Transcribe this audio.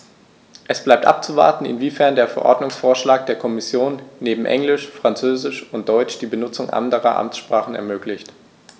Es bleibt abzuwarten, inwiefern der Verordnungsvorschlag der Kommission neben Englisch, Französisch und Deutsch die Benutzung anderer Amtssprachen ermöglicht.